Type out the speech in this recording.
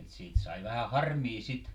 että siitä sai vähän harmia sitten